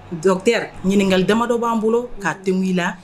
Dɔkutɛri ɲininkakali damadɔ b'an bolo k'a tengu i la.